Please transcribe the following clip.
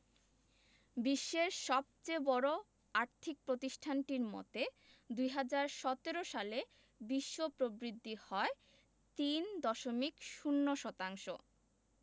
বিশ্বের সবচেয়ে বড় আর্থিক প্রতিষ্ঠানটির মতে ২০১৭ সালে বিশ্ব প্রবৃদ্ধি হয় ৩.০ শতাংশ